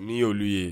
N'i y' oluolu ye